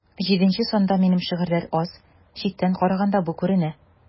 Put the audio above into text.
Җиденче санда минем шигырьләр аз, читтән караганда бу күренә.